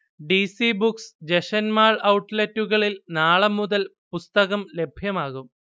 D. C Books, Jashanmal ഔട്ട്ലെറ്റുകളിൽ നാളെ മുതൽ പുസ്തകം ലഭ്യമാകും